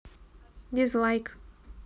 дизлайк